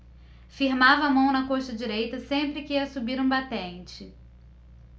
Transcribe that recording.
firmava a mão na coxa direita sempre que ia subir um batente